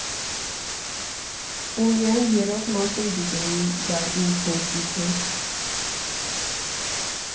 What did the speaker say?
Ու միայն Երրորդ մասում գիտեին՝ դա ինչ գործիք է։